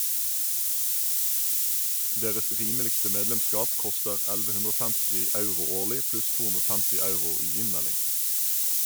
Deres rimeligste medlemskap koster 1150 euro årlig pluss 250 euro i innmelding.